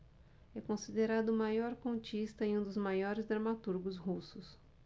é considerado o maior contista e um dos maiores dramaturgos russos